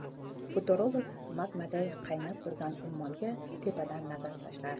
futurolog magmaday qaynab turgan ummonga tepadan nazar tashlar